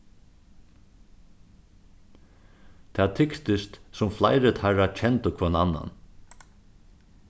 tað tyktist sum fleiri teirra kendu hvønn annan